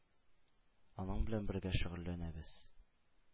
Аның белән бергә шөгыльләнәбез.